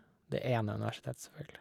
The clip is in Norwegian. Det ene universitetet, selvfølgelig.